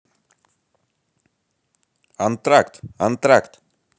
антракт антракт